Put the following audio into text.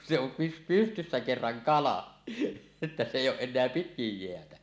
kun se on - pystyssä kerran kala että se ei ole enää pitkin jäätä